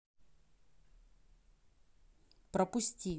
пропусти